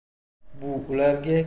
bu ularga keng